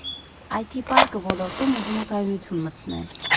«Այ Թի Պարկը» ոլորտում ուզում է կայունություն մտցնել։